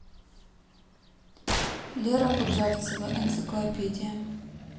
лера кудрявцева энциклопедия